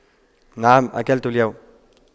نعم أكلت اليوم